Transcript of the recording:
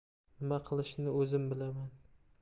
nima qilishni o'zim bilaman